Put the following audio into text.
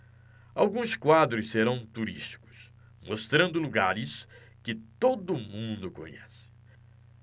alguns quadros serão turísticos mostrando lugares que todo mundo conhece